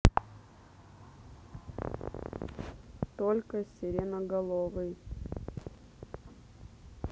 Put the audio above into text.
только сиреноголовый